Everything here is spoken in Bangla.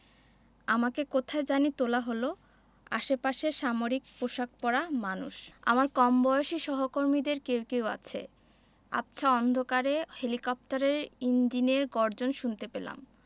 আমাকে কোথায় জানি তোলা হলো আশেপাশে সামরিক পোশাক পরা মানুষ আমার কমবয়সী সহকর্মীদের কেউ কেউ আছে আবছা অন্ধকারে হেলিকপ্টারের ইঞ্জিনের গর্জন শুনতে পেলাম